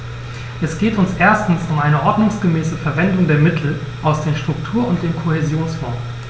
Es geht uns erstens um eine ordnungsgemäße Verwendung der Mittel aus den Struktur- und dem Kohäsionsfonds.